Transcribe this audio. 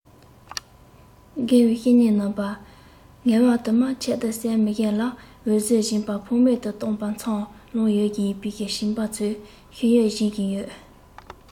དགེ བའི བཤེས གཉེན རྣམ པ ངལ བ དུ མ ཁྱད དུ བསད མི གཞན ལ འོད ཟེར སྦྱིན པ ཕངས མེད དུ བཏང པ འཚར ལོངས ཡོང བཞིན པའི བྱིས པ ཚོར ཤེས ཡོན སྦྱིན བཞིན ཡོད